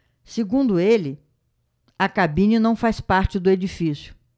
segundo ele a cabine não faz parte do edifício